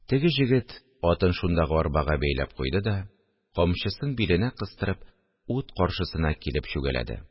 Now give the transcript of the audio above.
Теге җегет атын шундагы арбага бәйләп куйды да, камчысын биленә кыстырып, ут каршысына килеп чүгәләде